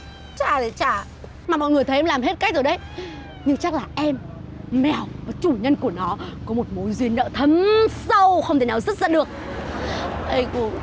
trả thì trả mà mọi người thấy em làm hết cách rồi đấy nhưng chắc là em mèo và chủ nhân của nó có một mối duyên nợ thâm sâu không thể nào dứt ra được ây cu